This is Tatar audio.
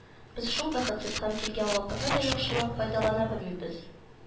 Без шул бәхетсез һәм килгән вакытны да яхшылап файдалана белмибез.